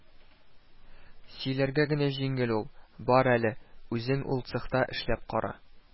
Сөйләргә генә җиңел ул, бар әле, үзең ул цехта эшләп кара